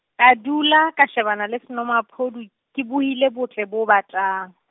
ka dula ka shebana le senomaphodi, ke bohile botle bo batang.